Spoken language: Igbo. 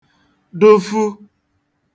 dụfu